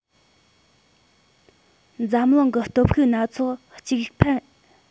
འཛམ གླིང གི སྟོབས ཤུགས སྣ ཚོགས གཅིག འཕེལ གཅིག ཉམས